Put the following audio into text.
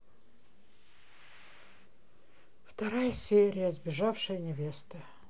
вторая серия сбежавшая невеста